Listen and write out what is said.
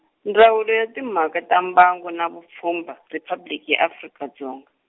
Ndzawulo ya Timhaka ta Mbango na Vupfhumba, Riphabliki ya Afrika Dzonga.